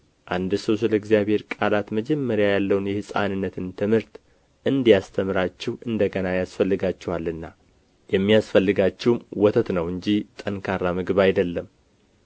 አንድ ሰው ስለ እግዚአብሔር ቃላት መጀመሪያ ያለውን የሕፃንነትን ትምህርት እንዲያስተምራችሁ እንደ ገና ያስፈልጋችኋልና የሚያስፈልጋችሁም ወተት ነው እንጂ ጠንካራ ምግብ አይደለም